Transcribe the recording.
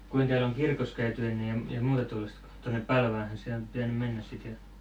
kuinka täällä on kirkossa käyty ennen ja muuta tuollaista kun tuonne Palvaanhan se on pitänyt mennä sitten ja